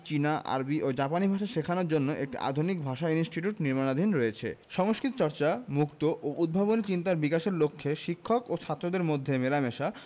চীনা আরবি ও জাপানি ভাষা শেখানোর জন্য একটি আধুনিক ভাষা ইনস্টিটিউট নির্মাণাধীন রয়েছে সংস্কৃতিচর্চা মুক্ত ও উদ্ভাবনী চিন্তার বিকাশের লক্ষ্যে শিক্ষক ও ছাত্রদের মধ্যে মেলামেশা